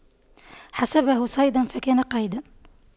حسبه صيدا فكان قيدا